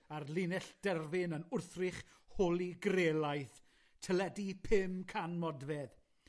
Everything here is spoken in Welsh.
a'r linell derfyn yn wrthrych holi-grelaidd, teledu pum can modfedd,